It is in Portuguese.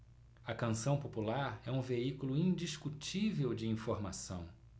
a canção popular é um veículo indiscutível de informação